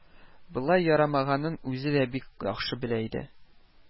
Болай ярамаганын үзе дә бик яхшы белә иде